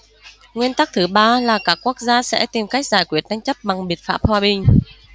nguyên tắc thứ ba là các quốc gia sẽ tìm cách giải quyết tranh chấp bằng biện pháp hòa bình